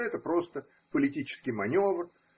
что это просто политический маневр